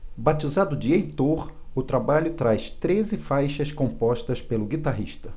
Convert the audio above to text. batizado de heitor o trabalho traz treze faixas compostas pelo guitarrista